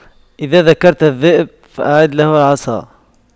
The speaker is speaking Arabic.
إذا ذكرت الذئب فأعد له العصا